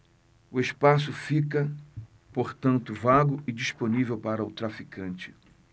o espaço fica portanto vago e disponível para o traficante